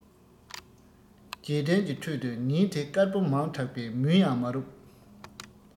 རྗེས དྲན གྱི ཁྲོད དུ ཉིན དེ དཀར པོ མང དྲགས པས མུན ཡང མ རུབ